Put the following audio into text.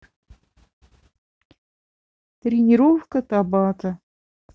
тренировка табата